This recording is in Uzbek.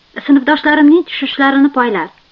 sinfdoshlarimning tushishlarini poylar